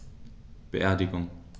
Beerdigung